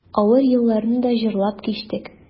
Авыр елларны да җырлап кичтек.